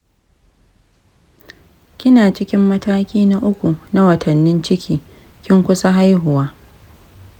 kina cikin mataki na uku na watannin ciki; kin kusa haihuwa.